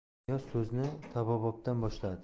niyoz so'zni tabobatdan boshladi